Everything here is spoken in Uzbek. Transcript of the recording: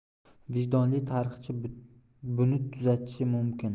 vijdonli tarixchi buni tuzatishi mumkin